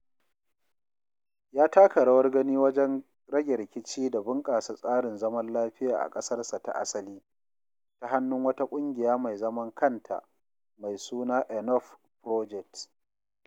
Ya taka rawar gani wajen rage rikici da bunƙasa tsarin zaman lafiya a ƙasarsa ta asali, ta hannun wata Ƙungiya mai zaman kanta mai suna Enough Project.